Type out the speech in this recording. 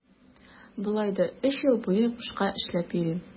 Болай да өч ел буе бушка эшләп йөрим.